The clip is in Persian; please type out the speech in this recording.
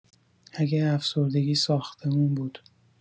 اگه افسردگی ساختمون بود